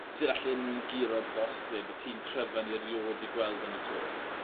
Sud alle unryw un guro o bosib y tîm cryfa ni eriod 'di gweld yn y Tour.